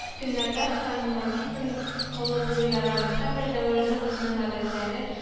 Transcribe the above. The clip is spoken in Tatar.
Көннәрендә фанатизм колы булу ярамый, һәрбер дәвернең үзенең гадәтләре